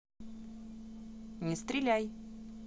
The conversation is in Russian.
не стреляй